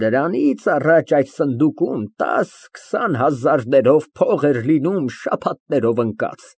Դրանից առաջ այդ սնդուկում տաս֊քսան հազարներով փող էր լինում շաբաթներով ընկած։